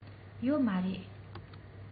ཡོད མ རེད